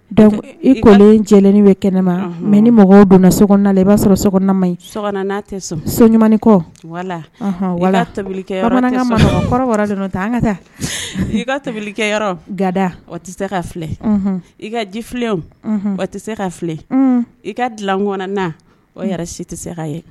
Dɔnku ilen cɛ bɛ kɛnɛ ma mɛ ni mɔgɔ donna sog i b'a sɔrɔ soma so tɛ so ɲuman kɔ wala wala tobili kɛ bamanan kɔrɔ an ka taa i ka tobili kɛ yɔrɔ gada tɛ se ka filɛ i ka ji fiw tɛse ka filɛ i ka dilakɔnna o yɛrɛ si tɛ se ka ye